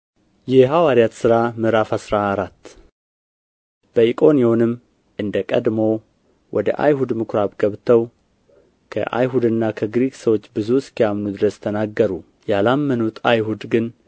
የሐዋርያት ሥራ ምዕራፍ አስራ አራት በኢቆንዮንም እንደ ቀድሞ ወደ አይሁድ ምኵራብ ገብተው ከአይሁድና ከግሪክ ሰዎች ብዙ እስኪያምኑ ድረስ ተናገሩ ያላመኑት አይሁድ ግን